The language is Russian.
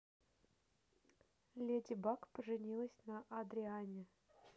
леди баг поженилась на адриане